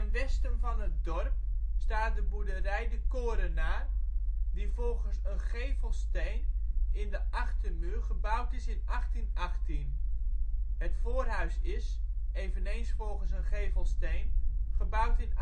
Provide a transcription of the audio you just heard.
westen van het dorp staat de boerderij De Korenaar, die volgens een gevelsteen in de achtermuur gebouwd is in 1818. Het voorhuis is - eveneens volgens een gevelsteen - gebouwd in